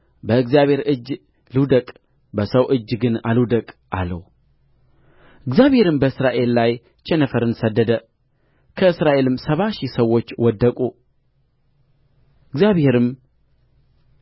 በእግዚአብሔር እጅ ልውደቅ በሰው እጅ ግን አልውደቅ አለው እግዚአብሔርም በእስራኤል ላይ ቸነፈርን ሰደደ ከእስራኤልም ሰባ ሺህ ሰዎች ወደቁ እግዚአብሔርም